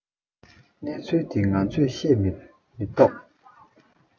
གནས ཚུལ འདི ང ཚོས ཤེས པ མི ཏོག